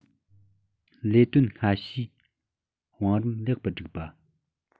ལས དོན སྔ ཕྱིའི བང རིམ ལེགས པར བསྒྲིགས པ